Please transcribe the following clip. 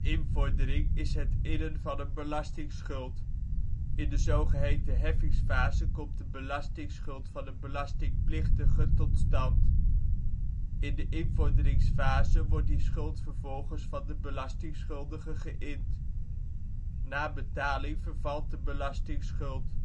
invordering is het innen van een belastingschuld. In de zogeheten heffingsfase komt de belastingschuld van een belastingplichtige tot stand. In de invorderingsfase wordt die schuld vervolgens van de belastingschuldige geïnd. Na betaling vervalt de belastingschuld.